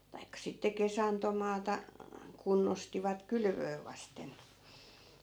tai sitten kesantomaata kunnostivat kylvöä vasten